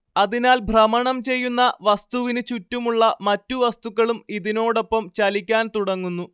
അതിനാൽ ഭ്രമണം ചെയ്യുന്ന വസ്തുവിനു ചുറ്റുമുള്ള മറ്റു വസ്തുക്കളും ഇതിനോടൊപ്പം ചലിക്കാൻ തുടങ്ങുന്നു